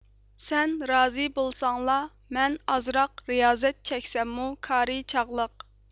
سەن رازى بولساڭلا بولدى مەن ئازراق رىيازەت چەكسەممۇ كارى چاغلىق